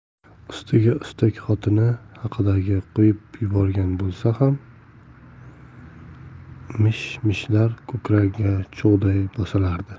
ustiga ustak xotini haqidagi qo'yib yuborgan bo'lsa ham mish mishlar ko'kragiga cho'g'day bosilardi